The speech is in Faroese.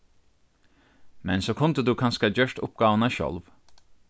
men so kundi tú kanska gjørt uppgávuna sjálv